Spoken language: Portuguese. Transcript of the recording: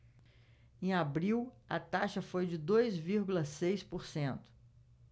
em abril a taxa foi de dois vírgula seis por cento